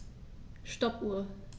Stoppuhr.